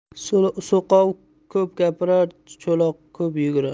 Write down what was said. soqov ko'p gapirar cho'loq ko'p yugurar